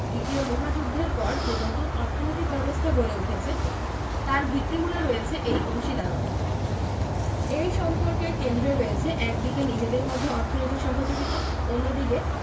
দ্বিতীয় মহাযুদ্ধের পর যে নতুন অর্থনৈতিক ব্যবস্থা গড়ে উঠেছে তার ভিত্তিমূলে রয়েছে এই অংশীদারত্ব এই সম্পর্কের কেন্দ্রে রয়েছে একদিকে নিজেদের মধ্যে অর্থনৈতিক সহযোগিতা অন্যদিকে